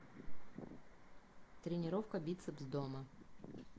тренировка бицепс дома